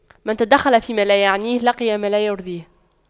من تَدَخَّلَ فيما لا يعنيه لقي ما لا يرضيه